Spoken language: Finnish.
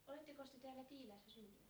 olettekos te täällä Tiiläässä syntynyt